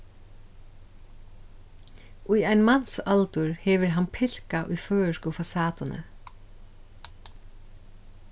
í ein mansaldur hevur hann pilkað í føroysku fasaduni